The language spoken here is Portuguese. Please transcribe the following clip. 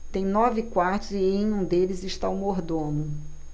tem nove quartos e em um deles está o mordomo